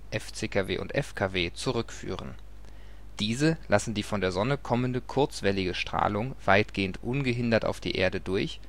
Diese lassen die von der Sonne kommende kurzwellige Strahlung weitgehend ungehindert auf die Erde durch